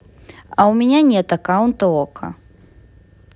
а у меня нет аккаунта окко